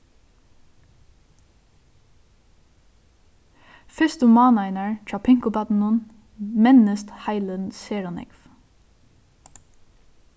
fyrstu mánaðirnar hjá pinkubarninum mennist heilin sera nógv